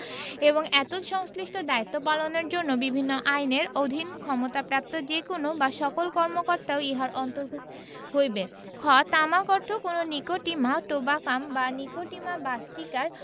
এবং এতদ্ সংশ্লিষ্ট দায়িত্ব পালনের জন্য বিভিন্ন আইনের অধীন ক্ষমতাপ্রাপ্ত যে কোন বা সকল কর্মকর্তাও ইহার অন্তর্ভুক্ত হইবে খ তামাক অর্থ কোন নিকোটিমা টোবাকাম বা নিকোটিমা বাসটিকার